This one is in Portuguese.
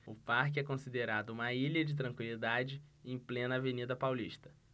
o parque é considerado uma ilha de tranquilidade em plena avenida paulista